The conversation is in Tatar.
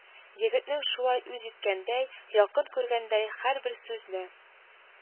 Егетнең шулай үз иткәндәй, якын күргәндәй һәрбер сүзне